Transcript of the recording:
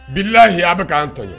Bilahi aa bɛ k'an ta ye